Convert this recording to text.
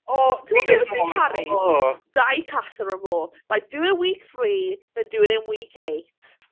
O, ti'n gwbod be fyswn i'n caru? Dau Casa Amor. Like, do it in week three then do it in week eight.